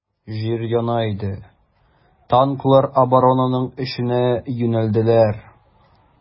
Җир яна иде, танклар оборонаның эченә юнәлделәр.